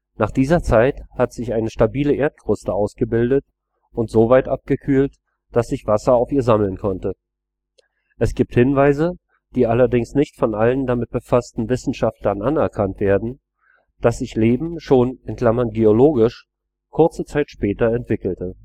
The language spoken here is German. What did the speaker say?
Nach dieser Zeit hat sich eine stabile Erdkruste ausgebildet und so weit abgekühlt, dass sich Wasser auf ihr sammeln konnte. Es gibt Hinweise, die allerdings nicht von allen damit befassten Wissenschaftlern anerkannt werden, dass sich Leben schon (geologisch) kurze Zeit später entwickelte